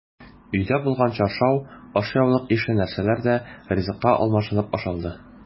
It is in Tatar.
Өйдә булган чаршау, ашъяулык ише нәрсәләр дә ризыкка алмашынып ашалды.